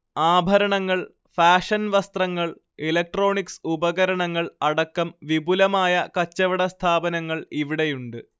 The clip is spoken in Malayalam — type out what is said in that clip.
ആഭരണങ്ങൾ, ഫാഷൻ വസ്ത്രങ്ങൾ, ഇലക്ട്രോണിക്സ് ഉപകരണങ്ങൾ, അടക്കം വിപുലമായ കച്ചവട സ്ഥാപനങ്ങൾ ഇവിടെയുണ്ട്